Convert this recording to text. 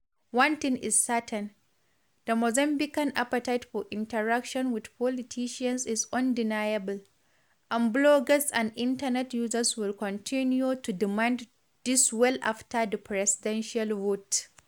One thing is certain, the Mozambican appetite for interaction with politicians is undeniable, and bloggers and internet users will continue to demand this well after the Presidential vote.